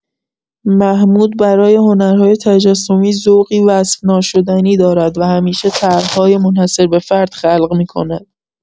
محمود برای هنرهای تجسمی ذوقی وصف‌ناشدنی دارد و همیشه طرح‌های منحصر به فرد خلق می‌کند.